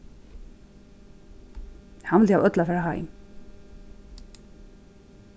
hann vildi hava øll at fara heim